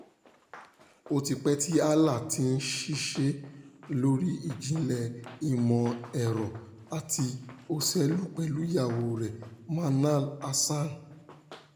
Ó ti pẹ́ tí Alaa ti ń ṣiṣẹ́ lóríi ìjìnlẹ̀ ìmọ̀-ẹ̀rọ àti òṣèlú pẹ̀lú ìyàwóo rẹ̀, Manal Hassan.